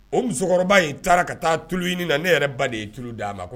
O musokɔrɔba in taara ka taa tulu ɲini na, ne yɛrɛ ba de ye tulu d' a ma.